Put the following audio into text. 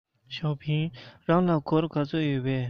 ཞའོ ཧྥང རང ལ སྒོར ག ཚོད ཡོད པས